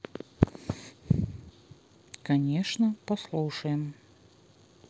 конечно послушаем